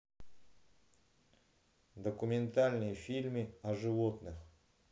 документальные фильмы о животных